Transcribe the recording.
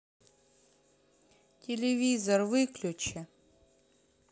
телевизор выключи